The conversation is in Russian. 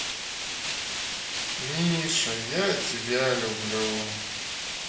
миша я тебя люблю